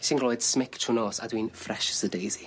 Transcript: Nes i'm glwy'd smic trw' nos a dwi'n fresh as a daisy.